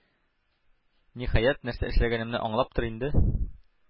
Ниһаять, нәрсә эшләгәнемне аңлаптыр инде,